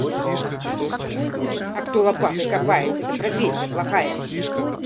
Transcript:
а кто лопатой копает это профессия плохая